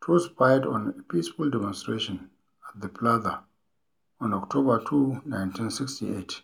Troops fired on a peaceful demonstration at the plaza on Oct. 2, 1968,